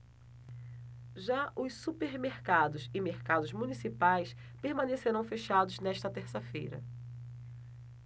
já os supermercados e mercados municipais permanecerão fechados nesta terça-feira